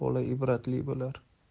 bola ibratli bo'lar